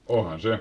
onhan se